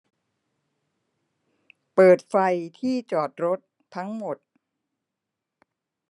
เปิดไฟที่จอดรถทั้งหมด